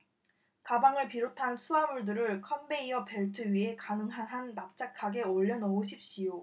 가방을 비롯한 수하물들을 컨베이어 벨트 위에 가능한 한 납작하게 올려놓으십시오